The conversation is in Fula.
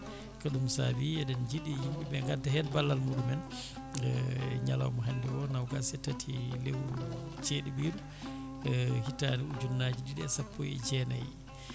ko ɗum saabi eɗen jiiɗi yimɓeɓe gadda hen ballal muɗumen e ñalawma hande o nogas e tati lewru ceeɗuɓiru hitande ujunnaje ɗiɗi e sappo e jeenayi